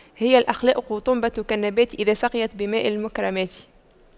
هي الأخلاق تنبت كالنبات إذا سقيت بماء المكرمات